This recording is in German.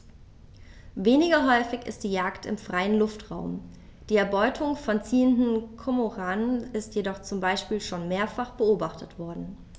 Weniger häufig ist die Jagd im freien Luftraum; die Erbeutung von ziehenden Kormoranen ist jedoch zum Beispiel schon mehrfach beobachtet worden.